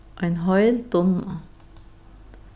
ein heil dunna